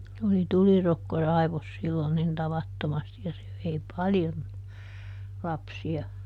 oli tulirokko raivosi silloin niin tavattomasti ja se vei paljon lapsia